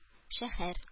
Шәһәр